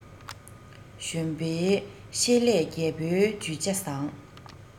གཞོན པའི ཤེད ལས རྒད པོའི ཇུས བྱ བཟང